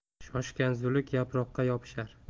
shoshgan zuluk yaproqqa yopishar